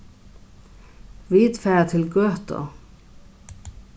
vit fara til gøtu